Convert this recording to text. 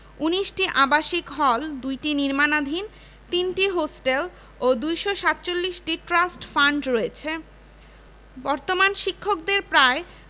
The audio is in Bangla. বাংলাপিডিয়া থেকে সংগৃহীত লিখেছেন মাসুদ হাসান চৌধুরী শেষ পরিবর্তনের সময় ২২ ফেব্রুয়ারি ২০১৫ ১০ টা ৫৭ মিনিট